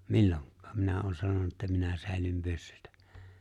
milloinkaan minä olen sanonut että minä säilyn pyssyttä